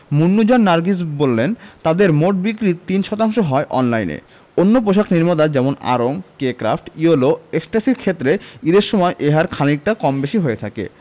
মুন্নুজান নার্গিস বললেন তাঁদের মোট বিক্রির ৩ শতাংশ হয় অনলাইনে অন্য পোশাক নির্মাতা যেমন আড়ং কে ক্র্যাফট ইয়েলো এক্সট্যাসির ক্ষেত্রে ঈদের সময় এ হার খানিকটা কম বেশি হয়ে থাকে